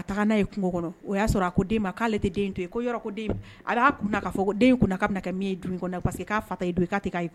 A n o y'a sɔrɔ k'ale to a'a kun den kɛ min kɔnɔ